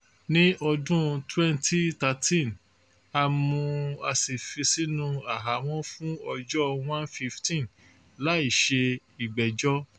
Ní ọdún 2013, a mú u a sì fi sínú àhámọ́ fún ọjọ́ 115 láì ṣe ìgbẹ́jọ́.